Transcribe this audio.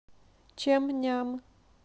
чем ням